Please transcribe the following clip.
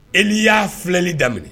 E y'a filɛli daminɛ